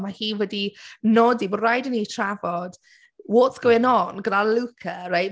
Mae hi wedi nodi bod rhaid i ni trafod what's going on gyda Luca, reit.